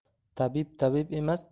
tabib tabib emas